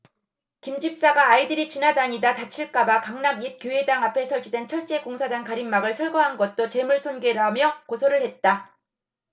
김 집사가 아이들이 지나다니다 다칠까 봐 강남 옛 교회당 앞에 설치된 철제 공사장 가림막을 철거한 것도 재물손괴라며 고소를 했다